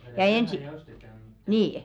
otetaan rahaa ja ostetaan mutta